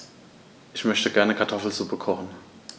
Ich möchte gerne Kartoffelsuppe kochen.